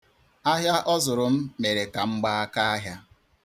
Ahịa ọ zụrụ m mere ka m gbaa akaahịa.